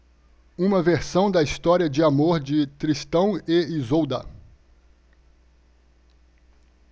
uma versão da história de amor de tristão e isolda